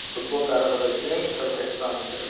futbol tarixidagi eng chalkash transfer